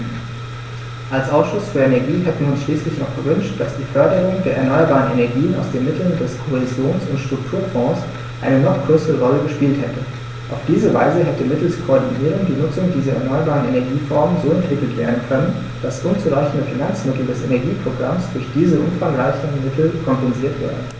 Als Ausschuss für Energie hätten wir uns schließlich noch gewünscht, dass die Förderung der erneuerbaren Energien aus den Mitteln des Kohäsions- und Strukturfonds eine noch größere Rolle gespielt hätte. Auf diese Weise hätte mittels Koordinierung die Nutzung dieser erneuerbaren Energieformen so entwickelt werden können, dass unzureichende Finanzmittel des Energieprogramms durch diese umfangreicheren Mittel kompensiert werden.